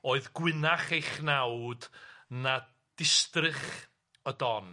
Oedd gwynach ei chnawd na distrych y don.